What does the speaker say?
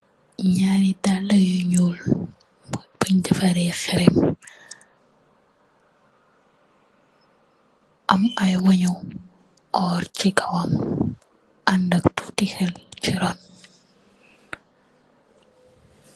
Njaari daalah yu njull, bungh defarreh khereum, am aiiy weungh nju ohrre chi kawam, aandak tuti hell chii ron.